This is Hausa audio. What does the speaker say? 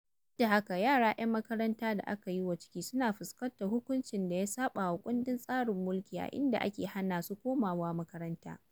Duk da haka, yara 'yan makaranta da aka yi wa ciki suna fuskantar hukuncin da ya saɓawa kundin tsarin mulki a inda ake hana su komawa makaranta.